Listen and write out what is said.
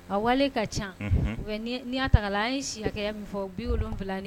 A wale ka caa, unhun, nka n'i y'a ta k'a lajɛ an ye si hakɛya min fɔ.